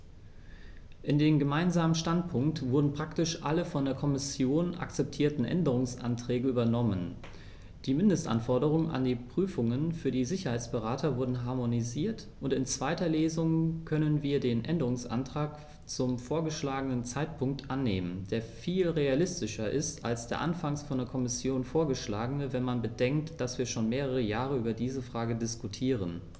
In den gemeinsamen Standpunkt wurden praktisch alle von der Kommission akzeptierten Änderungsanträge übernommen, die Mindestanforderungen an die Prüfungen für die Sicherheitsberater wurden harmonisiert, und in zweiter Lesung können wir den Änderungsantrag zum vorgeschlagenen Zeitpunkt annehmen, der viel realistischer ist als der anfangs von der Kommission vorgeschlagene, wenn man bedenkt, dass wir schon mehrere Jahre über diese Frage diskutieren.